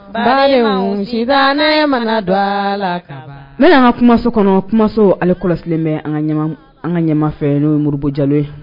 Balimaw sitanɛ mana don a la kaban, kumaso kɔnɔ , kumaso ale kɔlɔsilen bɛ an ka ɲɛma fɛ n'o ye Modibo Jalo ye.